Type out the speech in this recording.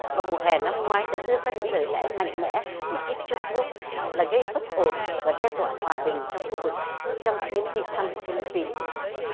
và mùa hè năm ngoái đã đưa ra những lời lẽ mạnh mẽ chỉ trích trung quốc là gây bất ổn và đe dọa hòa bình trong khu vực trong chuyến đi thăm phi líp pin